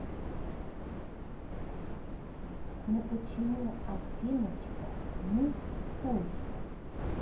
ну почему афиночка ну спой